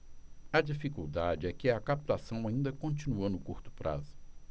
a dificuldade é que a captação ainda continua no curto prazo